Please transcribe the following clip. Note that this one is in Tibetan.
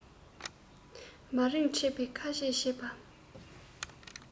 མི རིང ཕྲད པའི ཁ ཆད བྱས པ